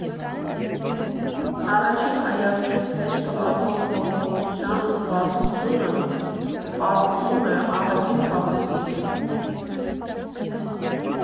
Առաջին հայացքից հեշտ թվացող գործողության բարդությունը, պարզվում է, ահագին խաբուսիկ է։